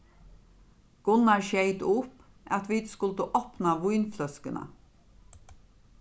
gunnar skeyt upp at vit skuldu opna vínfløskuna